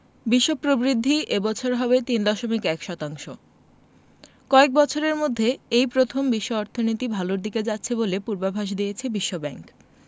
বিশ্ব প্রবৃদ্ধি এ বছর হবে ৩.১ শতাংশ কয়েক বছরের মধ্যে এই প্রথম বিশ্ব অর্থনীতি ভালোর দিকে যাচ্ছে বলে পূর্বাভাস দিয়েছে বিশ্বব্যাংক